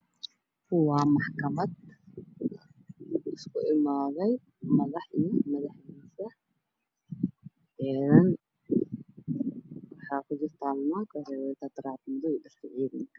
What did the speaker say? Waa maxkamad isugu imaadey madax iyo madaxdiisa xeeran waxaa ku jirta maak waxaa ku jirtaa back madow